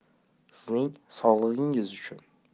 sizning sog'ligingiz uchun